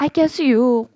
akasi yo'q